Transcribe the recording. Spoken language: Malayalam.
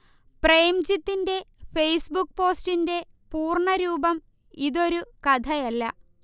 പ്രേംജിത്തിന്റെ ഫേസ്ബുക്ക് പോസ്റ്റിന്റെ പൂർണ്ണരൂപം, ഇതൊരു കഥയല്ല